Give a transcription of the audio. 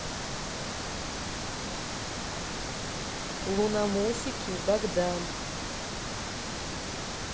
луномосики богдан